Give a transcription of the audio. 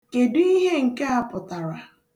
Kedụ ihe nke a pụtara?